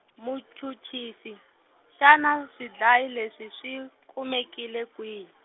muchuchisi, xana swidlayi leswi swi, kumekile kwihi?